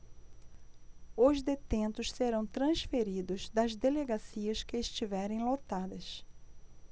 os detentos serão transferidos das delegacias que estiverem lotadas